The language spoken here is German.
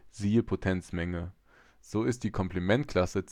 siehe Potenzmenge), so ist die Komplementklasse